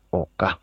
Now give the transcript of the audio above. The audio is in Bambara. O ka